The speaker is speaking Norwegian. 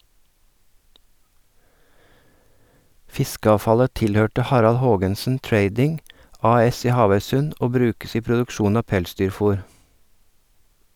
Fiskeavfallet tilhørte Harald Haagensen Trading AS i Havøysund, og brukes i produksjon av pelsdyrfor.